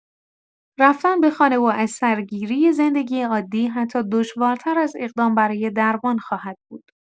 رفتن به خانه و از سرگیری زندگی عادی حتی دشوارتر از اقدام برای درمان خواهد بود.